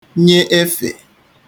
nye efè